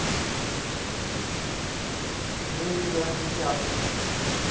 нелли грязные пятки